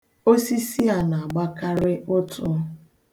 Osisi a na-agbakarị ụtụ.